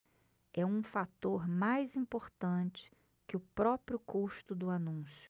é um fator mais importante que o próprio custo do anúncio